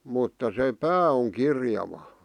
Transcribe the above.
mutta se pää on kirjava